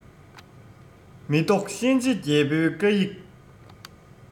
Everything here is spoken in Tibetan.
མི བཟློག གཤིན རྗེ རྒྱལ པོའི བཀའ ཡིག